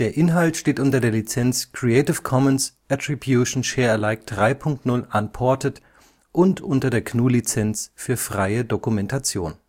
Inhalt steht unter der Lizenz Creative Commons Attribution Share Alike 3 Punkt 0 Unported und unter der GNU Lizenz für freie Dokumentation